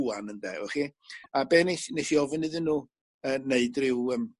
rŵan ynde wch chi. A be' nes i nes i ofyn iddyn n'w yy neud ryw yym